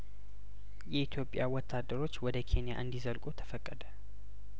የኢትዮጵያ ወታደሮች ወደ ኬንያ እንዲ ዘልቁ ተፈቀደ